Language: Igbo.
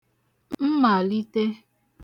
mmàlite